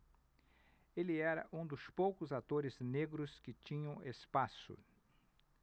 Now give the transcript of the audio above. ele era um dos poucos atores negros que tinham espaço